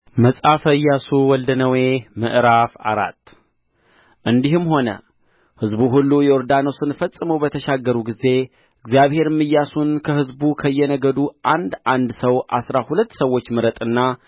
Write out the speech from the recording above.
መጽሐፈ ኢያሱ ወልደ ነዌ ምዕራፍ አራት እንዲህም ሆነ ሕዝቡ ሁሉ ዮርዳኖስን ፈጽመው በተሻገሩ ጊዜ እግዚአብሔርም ኢያሱን ከሕዝቡ ከየነገዱ አንድ አንድ ሰው አሥራ ሁለት ሰዎች ምረጥና